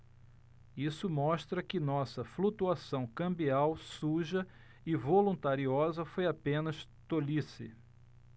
isso mostra que nossa flutuação cambial suja e voluntariosa foi apenas tolice